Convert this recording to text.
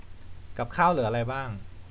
กับข้าวเหลืออะไรบ้าง